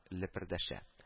Ләпердәшә